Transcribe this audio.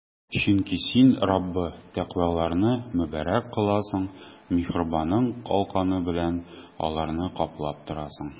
Чөнки Син, Раббы, тәкъваларны мөбарәк кыласың, миһербаның калканы белән аларны каплап торасың.